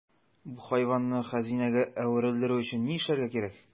Бу хайванны хәзинәгә әверелдерү өчен ни эшләргә кирәк?